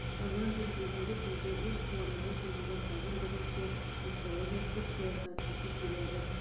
Моннан тыш, бүгенге көнгә үз планнары турында тагын берничә Украина топ-сәясәтчесе сөйләде.